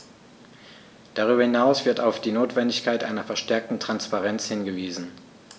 Darüber hinaus wird auf die Notwendigkeit einer verstärkten Transparenz hingewiesen.